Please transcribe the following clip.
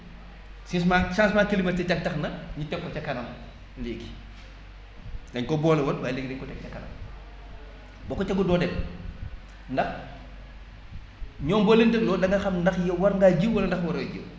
changement climatique ta tax na ñu teg ko ca a kanam léegi dañ ko boole woon waaye léegi dañ ko teg ca kanam boo ko tegul doo dem ndax ñoom boo leen dégloo di nga xam ndax yow war ngaa jiw wala ndax waroo jiw